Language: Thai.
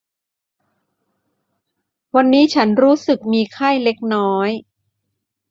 วันนี้ฉันรู้สึกมีไข้เล็กน้อย